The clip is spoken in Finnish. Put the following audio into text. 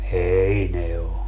ei ne ole